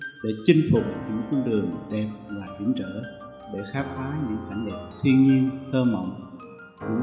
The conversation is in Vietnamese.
để chinh phục những cung đường đẹp và hiểm trở khám phá những cảnh đẹp thiên nhiên thơ mộng